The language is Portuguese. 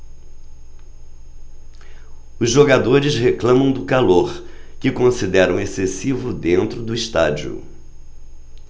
os jogadores reclamam do calor que consideram excessivo dentro do estádio